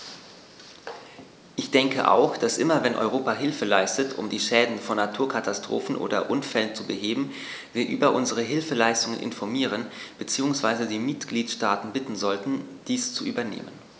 Ich denke auch, dass immer wenn Europa Hilfe leistet, um die Schäden von Naturkatastrophen oder Unfällen zu beheben, wir über unsere Hilfsleistungen informieren bzw. die Mitgliedstaaten bitten sollten, dies zu übernehmen.